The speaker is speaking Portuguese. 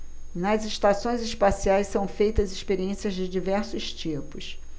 nas estações espaciais são feitas experiências de diversos tipos